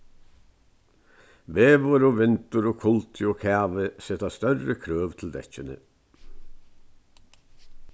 veður og vindur og kuldi og kavi seta størri krøv til dekkini